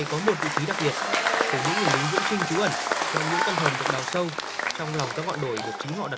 có một vị trí đặc biệt từ những người lính viễn chinh trú ẩn trong những căn hầm được đào sâu trong lòng các ngọn đồi được chính họ đặt